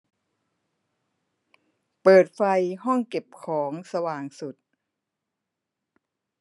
เปิดไฟห้องเก็บของสว่างสุด